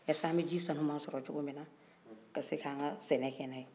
yasa a bɛ jisanuma sɔrɔ cogominna ka se ka an ka sɛnɛ kɛ n' a ye